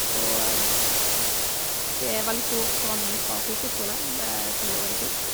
Og det er veldig stor forandring fra folkehøgskole, der jeg som jeg gjorde i fjor.